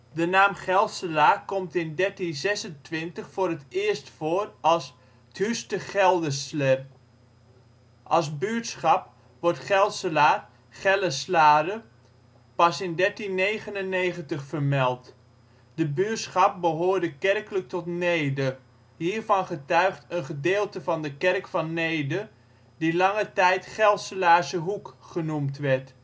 De naam Gelselaar komt in 1326 voor het eerst voor als "' t hus te Geldesler ". Als buurschap wordt Gelselaar (Gelleslare) pas in 1399 vermeld. De buurschap behoorde kerkelijk tot Neede, hiervan getuigt een gedeelte van de kerk van Neede, die lange tijd " Gelselaarse hoek " genoemd werd